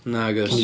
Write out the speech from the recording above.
Nagoes.